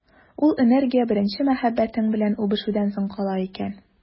Ул энергия беренче мәхәббәтең белән үбешүдән соң кала икән.